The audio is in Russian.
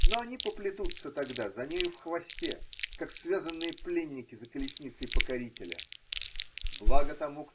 Но они поплетутся тогда за нею в хвосте, как связанные пленники за колесницей покорителя. Благо тому.